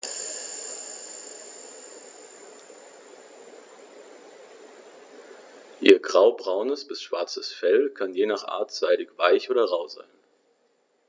Ihr graubraunes bis schwarzes Fell kann je nach Art seidig-weich oder rau sein.